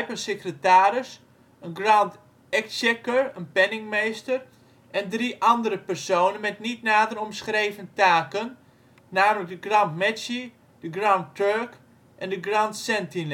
een Grand Scribe (secretaris), een Grand Exchequer (penningmeester) en drie andere personen met niet nader omschreven taken, namelijk de Grand Magi, de Grand Turk en de Grand Sentinel. De